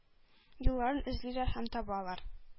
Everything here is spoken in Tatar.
Юлларын эзлиләр һәм табалар.